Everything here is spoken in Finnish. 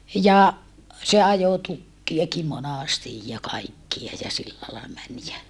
ja se ajoi tukkejakin monasti ja kaikkia ja sillä lailla meni ja